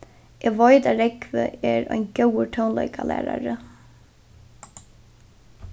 eg veit at rógvi er ein góður tónleikalærari